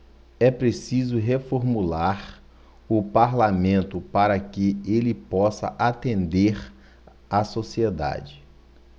é preciso reformular o parlamento para que ele possa atender a sociedade